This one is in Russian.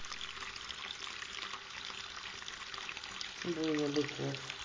бойня быков